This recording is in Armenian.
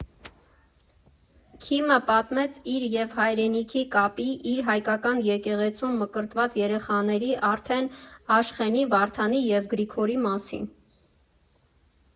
Քիմը պատմեց իր և հայրենիքի կապի, իր՝ հայկական եկեղեցում մկրտված երեխաների՝ արդեն Աշխենի, Վարդանի և Գրիգորի մասին։